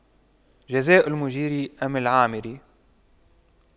جزاء مُجيرِ أُمِّ عامِرٍ